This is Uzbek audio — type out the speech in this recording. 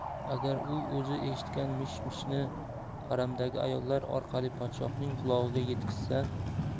agar u o'zi eshitgan mish mishni haramdagi ayollar orqali podshohning qulog'iga yetkazsa